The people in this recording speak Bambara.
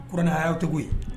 K kona' cogo